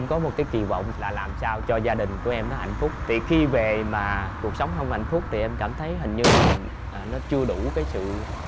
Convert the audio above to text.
có một cái kỳ vọng là làm sao cho gia đình của em nó hạnh phúc thì khi về mà cuộc sống không hạnh phúc thì em cảm thấy hình như mình nó chưa đủ cái sự